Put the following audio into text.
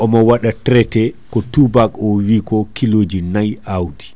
omo waɗa traité ko toubak o wiko kiloji nayyi awdi